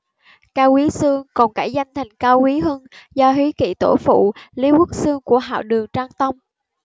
cao quý xương còn cải danh thành cao quý hưng do húy kỵ tổ phụ lý quốc xương của hậu đường trang tông